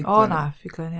o na ffuglen ia